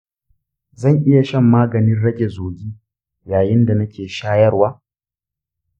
zan iya shan maganin rage zugi yayin da nake shayarwa